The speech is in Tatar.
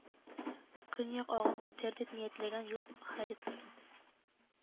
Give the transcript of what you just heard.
Көньяк агым үтәр дип ниятләнгән юл харитасы